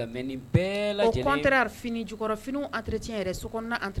Ka tɛmɛ ni bɛɛ lajɛlen au contraire fini jukɔrɔ finiw entretien yɛrɛ si kɔnɔ na entretien